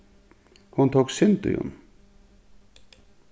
hon tók synd í honum